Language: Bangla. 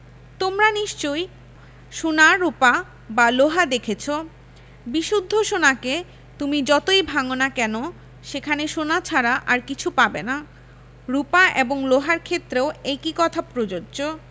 তোমরা নিশ্চয় সোনা রুপা বা লোহা দেখেছ বিশুদ্ধ সোনাকে তুমি যতই ভাঙ না কেন সেখানে সোনা ছাড়া আর কিছু পাবে না রুপা এবং লোহার ক্ষেত্রেও একই কথা প্রযোজ্য